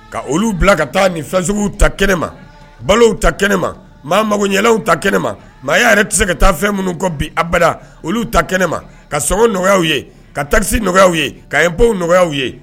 Ka olu bila ka taa ni fɛn suguw ta kɛnɛ ma balow ta kɛnɛ ma maa mago ɲɛw ta kɛnɛ ma maaya yɛrɛ tɛ se ka taa fɛn minnu kɔ bi abada olu ta kɛnɛ ma ka sɔngɔ nɔgɔya ye ka tasi nɔgɔya ye kaɲɛ baw nɔgɔyaw ye